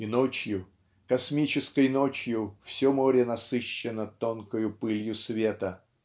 И ночью, космической ночью, все море насыщено тонкою пылью света.